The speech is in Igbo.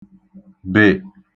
-bè